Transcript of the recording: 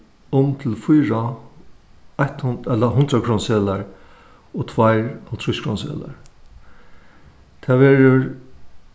um til fýra eitt ella hundraðkrónuseðlar og tveir hálvtrýsskrónuseðlar tað verður